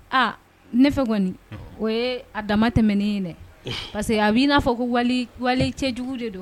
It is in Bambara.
Aa ne fɛ kɔniɔni o ye a dama tɛmɛnen dɛ parce que a b' i n'a fɔ ko wali cɛ jugu de don